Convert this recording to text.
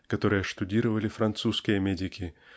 которые штудировали французские медики